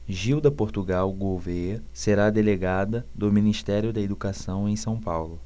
gilda portugal gouvêa será delegada do ministério da educação em são paulo